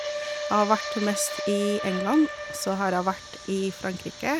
Jeg har vært mest i England, og så har jeg vært i Frankrike.